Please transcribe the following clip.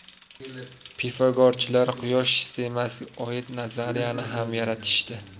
pifagorchilar quyosh sistemasiga oid nazariyani ham yaratishdi